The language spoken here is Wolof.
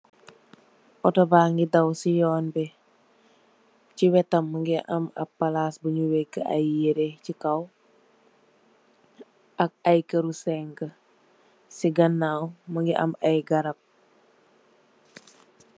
Otoh banyeh daw sey yoon bi sey wetam Mungi am app palass bunyu weeka i nyerri sey kaw ak i kerri senkeh sey ganaw Mungi am i garab.